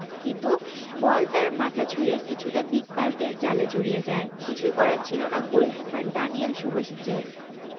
কিন্তু বল তার মাথা ছুঁয়ে কিছুটা দিক পাল্টে জালে জড়িয়ে যায় কিছুই করার ছিল না গোলকিপার দানিয়েল সুবাসিচের